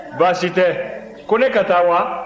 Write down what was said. baasi tɛ ko ne ka taa wa